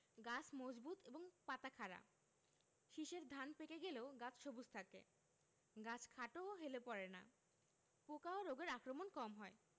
গাছ মজবুত এবং পাতা খাড়া শীষের ধান পেকে গেলেও গাছ সবুজ থাকে গাছ খাটো ও হেলে পড়ে না পোকা ও রোগের আক্রমণ কম হয়